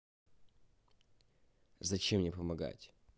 зачем мне помогать